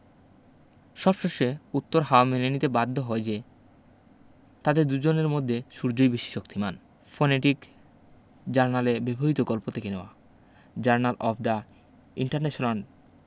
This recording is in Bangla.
সবশেষে উত্তর হাওয়া মেনে নিতে বাধ্য হয় যে তাদের দুজনের মধ্যে সূর্যই বেশি শক্তিমান ফনেটিক জার্নালে ব্যবহিত গল্প থেকে নেওয়া জার্নাল অফ দা ইন্টারন্যাশনাল